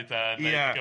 A ia.